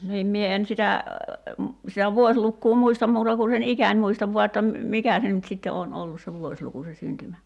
niin minä en sitä sitä vuosilukua muista muuta kuin sen iän muistan vain että - mikä se nyt sitten on ollut se vuosiluku se -